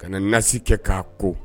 Ka nasi kɛ k'a ko